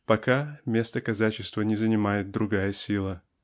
пока место казачества не занимает другая сила.